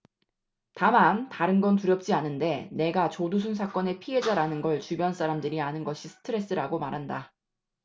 다만 다른 건 두렵지 않은데 내가 조두순 사건의 피해자라는 걸 주변 사람들이 아는 것이 스트레스라고 말한다